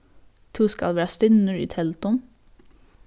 tú skalt vera stinnur í teldum